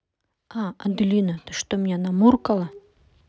а аделина ты что меня на муркала